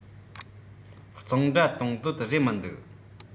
གཙང སྦྲར དང དོད རེད མི འདུག